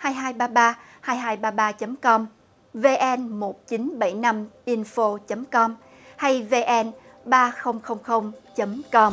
hai hai ba ba hai hai ba ba chấm com vê en một chín bảy năm in phô chấm com hay vê en ba không không không chấm com